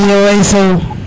iyo way Sow